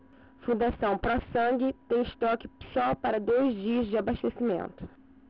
fundação pró sangue tem estoque só para dois dias de abastecimento